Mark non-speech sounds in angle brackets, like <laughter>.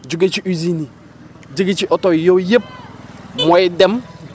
juge ci usines yi juge ci oto yi yooyu yëpp <noise> mooy dem